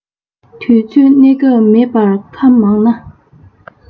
དུས ཚོད གནས སྐབས མེད པར ཁ མང ན